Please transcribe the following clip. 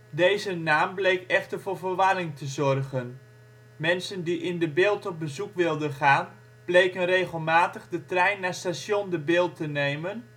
Deze naam bleek echter voor verwarring te zorgen. Mensen die in De Bilt op bezoek wilden gaan, bleken regelmatig de trein naar Station De Bilt te nemen